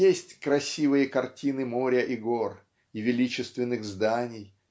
есть красивые картины моря и гор и величественных зданий